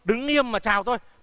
đứng nghiêm mà chào thôi